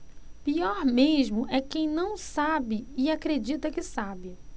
pior mesmo é quem não sabe e acredita que sabe